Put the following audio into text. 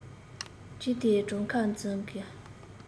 གྲིལ ཏེ བྲང ཁར འཛག གིན